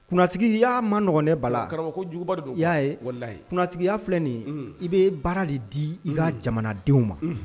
Kunasigiya ma nɔgɔn dɛ Bala bon karamɔgɔ kojuguba de don i y'a ye walahi kunasigiya filɛ nin ye unhun i bee baara de dii i ka jamanadenw ma unhun